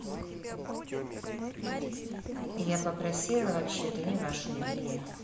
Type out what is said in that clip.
я попросила вообще то не вашу библию